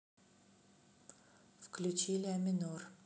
включи ля минор